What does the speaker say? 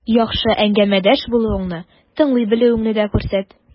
Яхшы әңгәмәдәш булуыңны, тыңлый белүеңне дә күрсәт.